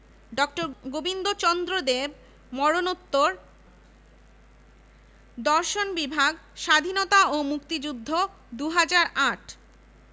ড. গোবিন্দচন্দ্র দেব মরনোত্তর দর্শন বিভাগ স্বাধীনতা ও মুক্তিযুদ্ধ ২০০৮